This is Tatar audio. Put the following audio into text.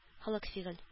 Холык-фигыль